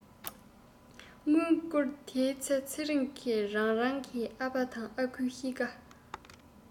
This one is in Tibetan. དངུལ བསྐུར དེའི ཚེ ཚེ རིང གི རང རང གི ཨ ཕ དང ཨ ཁུའི གཤིས ཀ